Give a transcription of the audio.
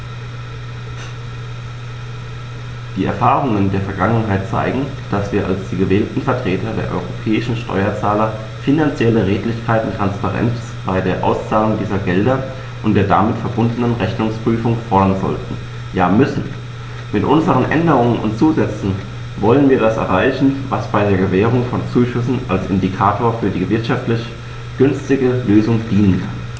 Die Erfahrungen der Vergangenheit zeigen, dass wir als die gewählten Vertreter der europäischen Steuerzahler finanzielle Redlichkeit und Transparenz bei der Auszahlung dieser Gelder und der damit verbundenen Rechnungsprüfung fordern sollten, ja müssen. Mit unseren Änderungen und Zusätzen wollen wir das erreichen, was bei der Gewährung von Zuschüssen als Indikator für die wirtschaftlich günstigste Lösung dienen kann.